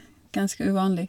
Ganske uvanlig.